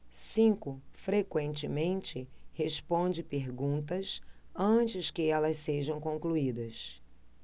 cinco frequentemente responde perguntas antes que elas sejam concluídas